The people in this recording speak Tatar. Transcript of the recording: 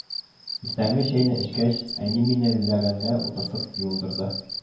Иртәнге чәйне эчкәч, әни мине ләгәнгә утыртып юындырды